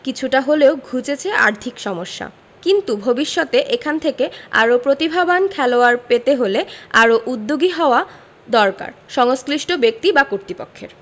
কিছুটা হলেও ঘুচেছে আর্থিক সমস্যা কিন্তু ভবিষ্যতে এখান থেকে আরও প্রতিভাবান খেলোয়াড় পেতে হলে আরও উদ্যোগী হওয়া দরকার সংশ্লিষ্ট ব্যক্তি বা কর্তৃপক্ষের